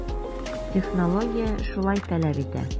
Технология шулай таләп итә.